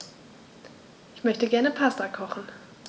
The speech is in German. Ich möchte gerne Pasta kochen.